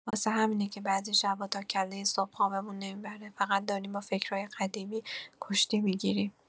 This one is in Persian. واسه همینه که بعضی شبا تا کلۀ صبح خوابمون نمی‌بره، فقط داریم با فکرای قدیمی کشتی می‌گیریم.